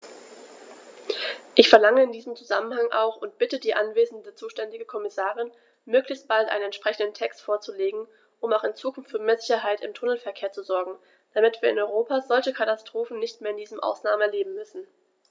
Ich verlange in diesem Zusammenhang auch und bitte die anwesende zuständige Kommissarin, möglichst bald einen entsprechenden Text vorzulegen, um auch in Zukunft für mehr Sicherheit im Tunnelverkehr zu sorgen, damit wir in Europa solche Katastrophen nicht mehr in diesem Ausmaß erleben müssen!